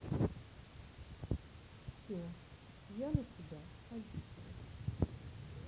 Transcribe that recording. все на тебя обиделась